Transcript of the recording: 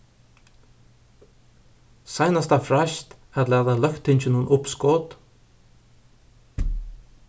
seinasta freist at lata løgtinginum uppskot